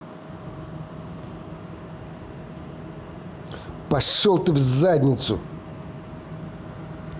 пошел ты в задницу